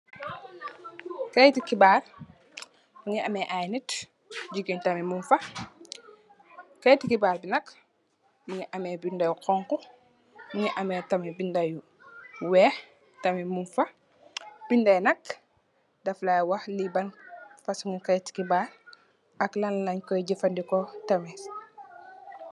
Kayiti xibarr mu ngi ameh ay nit, jigeen tamit mug fa, kayiti xibarr bi nak mugii ameh bindé yu xonxu, mugii ameh tamit bindé yu wèèx. Bindé yi nak daf lay wax li ban fasungi kayiti xibarr ak lan lañ koy jafandiko tamit.